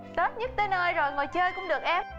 tết nhất tới nơi rồi ngồi chơi cũng được em